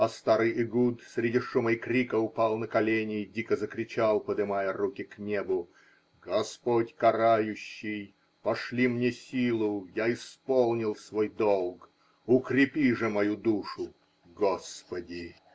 А старый Эгуд среди шума и крика упал на колени и дико закричал, подымая руки к небу: -- Господь карающий, пошли мне силу -- я исполнил свой долг, укрепи же мою душу, Господи!